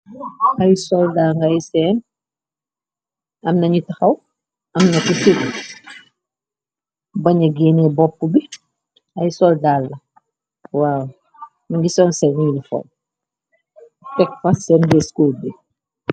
Ay solda ngay seen amnañu taxaw am na cu fib baña géene bopp bi ay soldaal la waa mingison senl fon fekfas seen béscur bi.